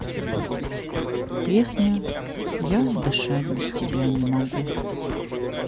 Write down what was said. песня я дышать без тебя не могу